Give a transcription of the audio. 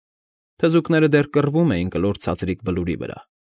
Թզուկները դեռ կռվում էին կլոր ցածրիկ բլուրի վրա։